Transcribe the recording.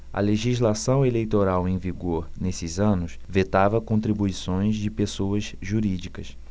a legislação eleitoral em vigor nesses anos vetava contribuições de pessoas jurídicas